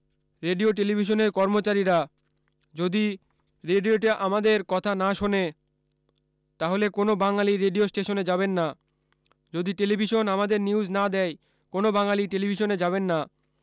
radio টেলিভিশনের কর্মচারীরা যদি রেডিওতে আমাদের কথা না শোনে তাহলে কোন বাঙ্গালী রেডিও স্টেশনে যাবেন না যদি টেলিভিশন আমাদের নিউজ না দেয় কোন বাঙ্গালী টেলিভিশনে যাবেন না